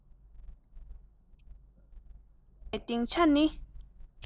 འཕུར པའི གདེང ཆ ནི